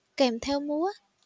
kèm theo múa